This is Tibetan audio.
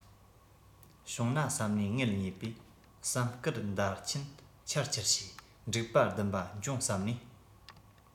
བྱུང ན བསམས ནས ངེད གཉིས པོས བསམ དཀར འདར ཆེན འཕྱར འཕྱར བྱས འགྲིག པ སྡུམ པ འབྱུང བསམ ནས